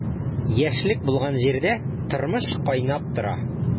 Яшьлек булган җирдә тормыш кайнап тора.